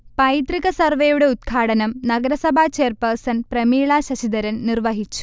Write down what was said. പൈതൃക സർവേയുടെ ഉദ്ഘാടനം നഗരസഭാചെയർപേഴ്സൺ പ്രമീള ശശിധരൻ നിർവഹിച്ചു